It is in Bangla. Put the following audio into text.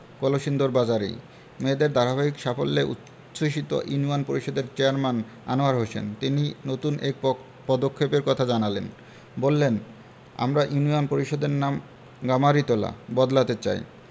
কলসিন্দুর বাজারেই মেয়েদের ধারাবাহিক সাফল্যে উচ্ছ্বসিত ইউনিয়ন পরিষদের চেয়ারম্যান আনোয়ার হোসেন তিনি নতুন এক পদক্ষেপের কথা জানালেন বললেন আমরা ইউনিয়ন পরিষদের নাম গামারিতলা বদলাতে চাই